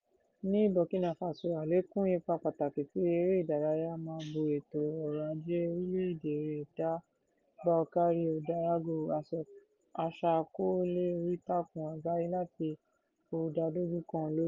Ní Burkina Faso, àlékún ipa pàtàkì tí eré ìdárayá mú bá ètò ọrọ̀-ajé orílẹ̀-èdè rẹ dá Boukari Ouédraogo, aṣàkọọ́lẹ̀ oríìtakùn àgbáyé láti Ouagadougou kan, lójú.